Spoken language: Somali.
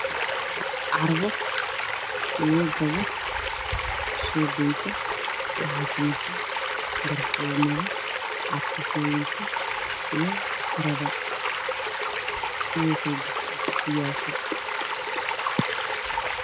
Carwo lagu gado shopin ka waxaa kamid ah Baraafuunada carfisooyinnada iyo catarada